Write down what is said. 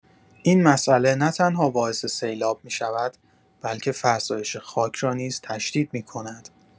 این مسئله نه‌تنها باعث سیلاب می‌شود، بلکه فرسایش خاک را نیز تشدید می‌کند.